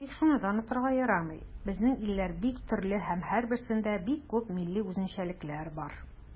Тик шуны да онытырга ярамый, безнең илләр бик төрле һәм һәрберсендә бик күп милли үзенчәлекләр бар.